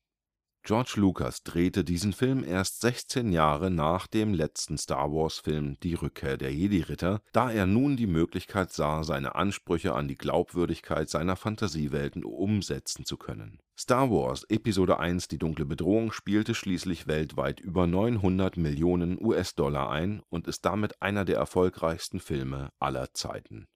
George Lucas drehte diesen Film erst 16 Jahre nach dem letzten Star-Wars-Film „ Die Rückkehr der Jedi-Ritter “, da er nun die Möglichkeit sah, seine Ansprüche an die Glaubwürdigkeit seiner Phantasiewelten umsetzen zu können. „ Star Wars: Episode I – Die dunkle Bedrohung “spielte schließlich weltweit über 900 Mio. US-Dollar ein und ist damit einer der erfolgreichsten Filme aller Zeiten